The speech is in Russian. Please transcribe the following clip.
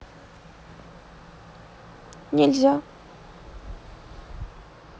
нельзя